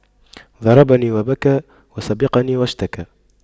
ضربني وبكى وسبقني واشتكى